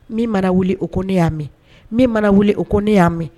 Min mana wuli o ko ne y'a mɛn min mana wuli o ko ne y'a mɛn